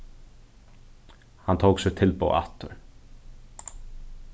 hann tók sítt tilboð aftur